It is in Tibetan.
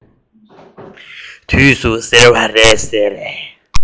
དུས སུ ཟེར བ རེད ཟེར